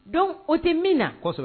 Don o tɛ min na kɔsɔ